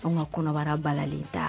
Anw ka kɔnɔbara balalen ta